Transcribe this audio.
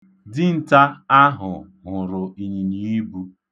Dịnta ahụ hụrụ ịnyịnyiibu.